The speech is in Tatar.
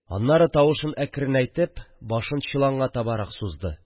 Аннары тавышын әкренәйтеп, башын чоланга табарак сузды